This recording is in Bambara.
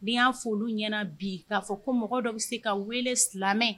N y'a foli ɲɛna bi k'a fɔ ko mɔgɔ dɔw bɛ se ka wele silamɛ